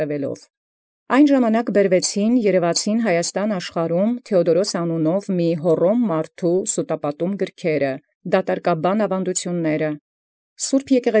Կորյուն Յայնմ ժամանակի բերեալ երևեցան ի Հայաստան աշխարհին գիրք սուտապատումք, ընդունայնախաւս աւանդութիւնք առն ուրումն հոռոմի, որում Թէոդորոս անուն։